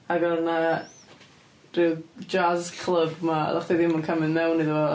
Ac oedd 'na rhyw jazz club 'ma oeddech chdi'm yn cael mynd mewn iddo fo...